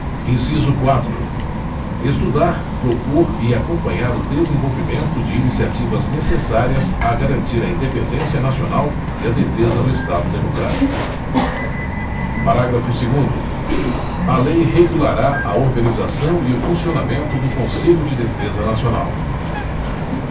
inciso quatro estudar propor e acompanhar o desenvolvimento de iniciativas necessárias a garantir a independência nacional e a defesa do estado democrático parágrafo segundo a lei regulará a organização e o funcionamento do conselho de defesa nacional